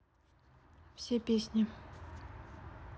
все песни